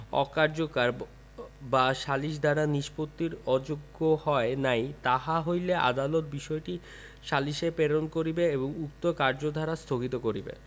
অকার্যকর বা সালিস দ্বারা নিষ্পত্তির অযোগ্য হয় নাই তাহা হইলে আদালত বিষয়টি সালিসে প্রেরণ করিবে এবং উক্ত কার্যধারা স্থগিত করিবে